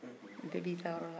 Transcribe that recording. bɛɛ b'i ka baara la ka kɛ